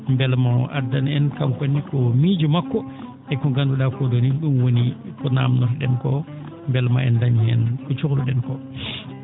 mbela maa o addan en kanko ne ko miijo makko e ko ngandu?aa koo ?oonii ?um woni ko naamndoto?en koo mbela maa en dañ heen ko cohlu?en koo